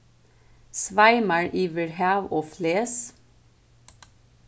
sveimar yvir hav og fles